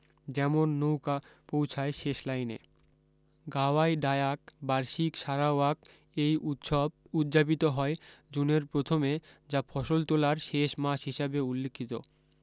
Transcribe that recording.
যেমন নৌকা পৌঁছায় শেষ লাইনে গাওয়াই ডায়াক বার্ষিক সারাওয়াক এই উৎসব উৎযাপিত হয় জুনের প্রথমে যা ফসল তোলার শেষ মাস হিসাবে উল্লিখিত